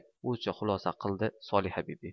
o'zicha xulosa qildi solihabibi